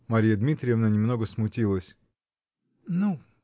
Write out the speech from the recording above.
-- Марья Дмитриевна немного смутилась. "Ну!